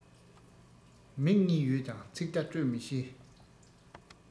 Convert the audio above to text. མིག གཉིས ཡོད ཀྱང ཚིག བརྡ སྤྲོད མི ཤེས